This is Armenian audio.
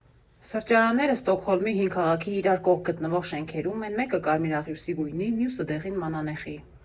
Սրճարանները Ստոկհոլմի հին քաղաքի իրար կողք գտնվող շենքերում են, մեկը՝ կարմիր աղյուսի գույնի, մյուսը՝ դեղին մանանեխի։